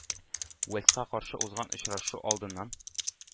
Уэльска каршы узган очрашу алдыннан